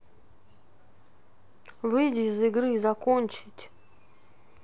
выйди из игры закончить